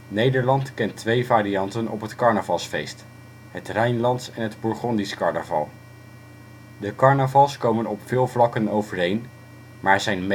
Nederland kent twee varianten op het carnavalsfeest; het Rijnlands en het Bourgondisch carnaval. De carnavals komen op veel vlakken overeen, maar zijn